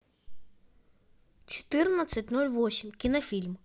четырнадцать ноль восемь кинофильм